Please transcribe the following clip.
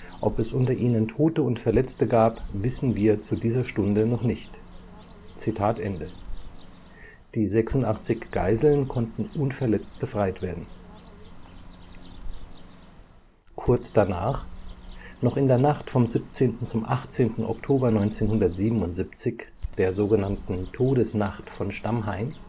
Ob es unter ihnen Tote und Verletzte gab, wissen wir zu dieser Stunde noch nicht …“. Die 86 Geiseln konnten unverletzt befreit werden. Kurz danach, noch in der Nacht vom 17. zum 18. Oktober 1977, der Todesnacht von Stammheim